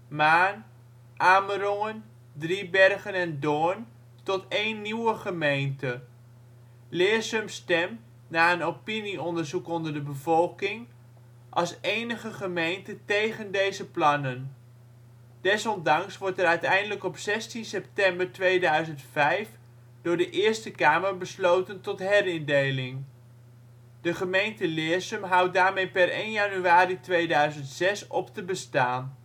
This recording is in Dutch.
Maarn, Amerongen, Driebergen en Doorn tot één nieuwe gemeente. Leersum stemt (na een opinieonderzoek onder de bevolking) als enige gemeente tegen deze plannen. Desondanks wordt er uiteindelijk op 13 september 2005 door de Eerste Kamer besloten tot herindeling. De gemeente Leersum houdt daarmee per 1 januari 2006 op te bestaan